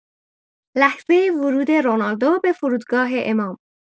لحظه ورود رونالدو به فردوگاه امام